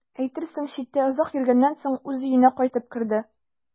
Әйтерсең, читтә озак йөргәннән соң үз өенә кайтып керде.